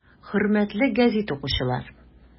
Хөрмәтле гәзит укучылар!